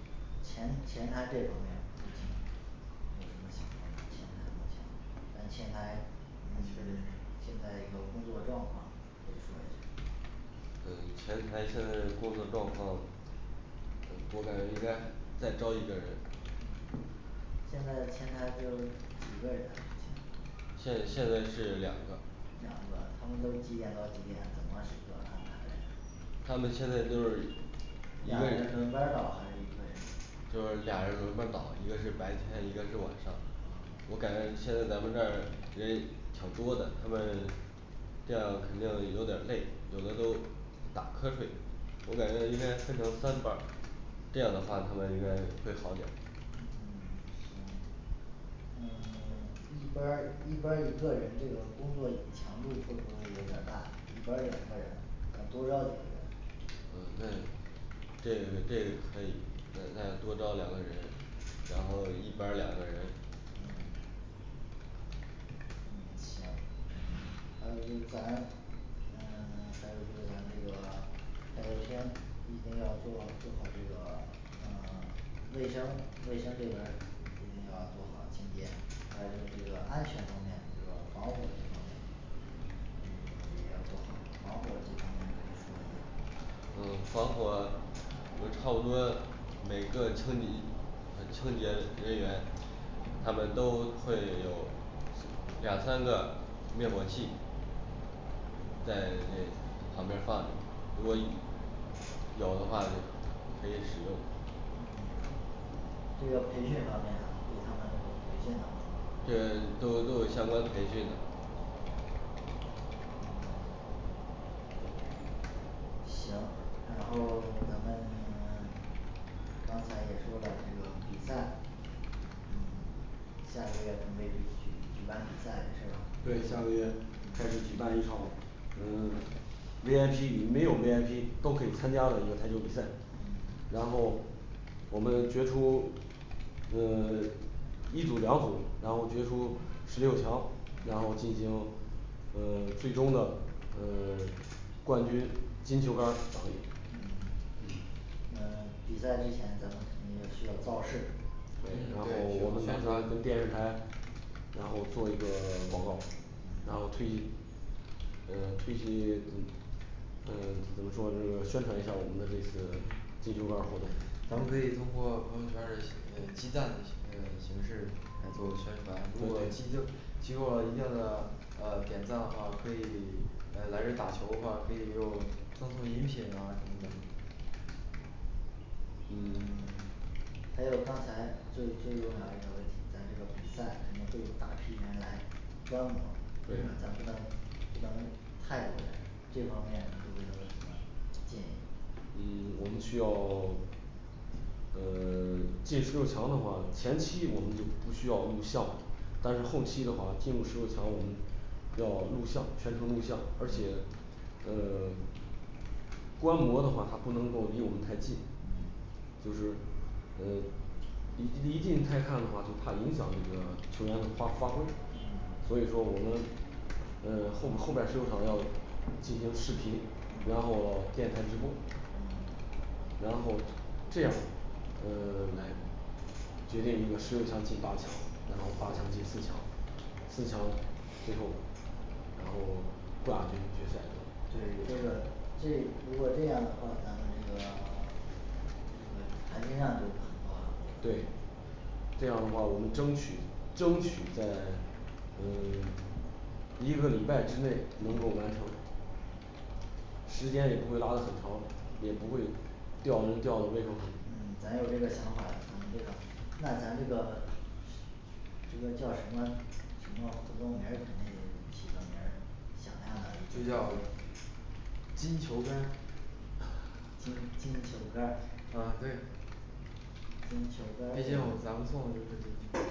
前前台这方面嗯有什么想说的前台，咱前台嗯 现在这个工作状况，可以说一下嗯前台现在工作状况，我感觉应该再招一个人现在前台就几个人啊目前现现在是两个两个他们都几点到几点怎么去做安排的呀他们现在都是一个俩人，就是俩人人轮轮班班儿儿倒还是一个人？倒，一个是白天，一个是晚上。我感觉现在咱们这儿人挺多的，他们这样肯定有点儿累，有的都打瞌睡，我感觉应该分成三班儿，这样的话他们应该会好点儿。嗯行嗯 一班儿一班儿一个人这个工作强度会不会有点儿大，一班儿两个人。再多招几个人嗯那，这这个可以嗯再多招两个人，然后一班儿两个人，嗯嗯行还有就是咱嗯 还有就是咱这个废物清一定要做做好这个嗯卫生卫生这边儿，一定要做好清洁，还有就这个安全方面，这个防火这方面，嗯也要做好防火这方面嗯防火我们差不多每个清理嗯清洁人员他们都会有两三个灭火器在这旁边儿放着如果有的话就可以使用。嗯这个培训方面啊对他们培训吗这个都都有相关培训的嗯行。然后 咱们 刚才也说了这个比赛嗯下个月准备举举办比赛是吧？对，下个月嗯开始举办一场嗯V I P与没有V I P都可以参加的一个台球比赛嗯。然后我们决出嗯 一组两组，然后决出十六强，然后进行呃最终的嗯 冠军金球杆儿奖励嗯嗯比赛之前咱们肯定就需要造势。对，然后我们宣传跟电视台然后做一个广告，然后推呃推进嗯呃怎么说这是宣传一下我们的这次金球杆儿活动咱们可以通过朋友圈儿呃积赞的形式形式来做宣传如何积积够了一定的呃点赞的话，可以呃来这儿打球儿的话，可以用赠送饮品啊什么的。嗯还有刚才就就遇到一个问题，咱这个比赛肯定会有大批人来观摩咱对不能不能太多人这方面各位都有什么建议嗯我们需要 呃 进十六强的话，前期我们就不需要录像但是后期的话进入十六强，我们要录像，全程录像，而且呃 观摩的话，他不能够离我们太近嗯就是呃你离近太看的话就怕影响这个球员的发发挥。嗯所以说我们呃后后边儿十六场让进行视嗯频嗯，然后电台直播然后这样呃 来决定一个十六强进八强，然后八强进四强。四强。最后然后，冠亚军决赛对这个这如果这样的话咱们这个 这个含金量就很高了我觉得对这样的话我们争取争取在嗯 一个礼拜之内能够完成时间也不会拉的很长，也不会吊人吊的胃口嗯很。咱有这个想法，咱们这个那咱这个这个叫什么什么活动名儿，肯定得起个名儿，响亮的就一点叫的金球杆金金球杆啊对儿金球杆毕儿这竟样咱们做的就是这些球